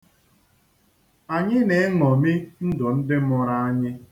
Anyị na-eṅomi ndụ ndị mụrụ anyị.